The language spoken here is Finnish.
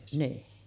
niin